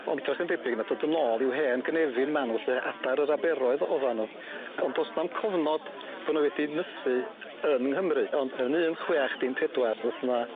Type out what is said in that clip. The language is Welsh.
Ond edrach yn debyg na dod yn ôl i'w hen gynefin ma' nw 'lly adar yr aberoedd oddan nw ond do's na'm cofnod bo' nw wedi nysu yn Nghymru ond yn un chwech dim pedwar doth 'na